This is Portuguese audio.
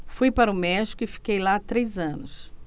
fui para o méxico e fiquei lá três anos